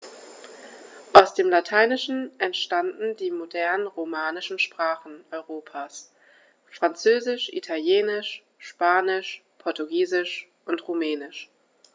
Aus dem Lateinischen entstanden die modernen „romanischen“ Sprachen Europas: Französisch, Italienisch, Spanisch, Portugiesisch und Rumänisch.